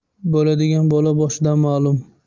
bo'ladigan bola boshidan ma'lum